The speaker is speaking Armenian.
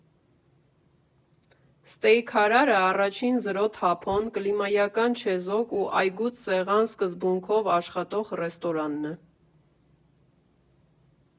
«Սթեյքարարը» առաջին զրո թափոն, կլիմայական չեզոք ու այգուց սեղան սկզբունքով աշխատող ռեստորանն է։